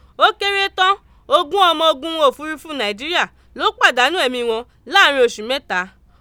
"Ó kéré tan ogún ọmọ ogun òfurùfu Nàìjíríà ló pàdánù ẹ̀mí wọn láàárín oṣù mẹ́ta.